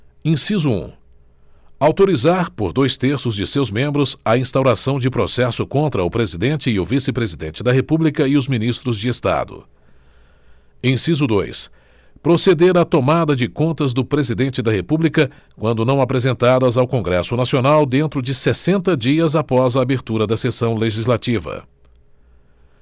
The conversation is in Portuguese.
inciso um autorizar por dois terços de seus membros a instauração de processo contra o presidente e o vice presidente da república e os ministros de estado inciso dois proceder à tomada de contas do presidente da república quando não apresentadas ao congresso nacional dentro de sessenta dias após a abertura da sessão legislativa